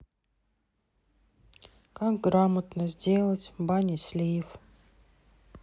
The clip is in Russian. как грамотно сделать в бане слив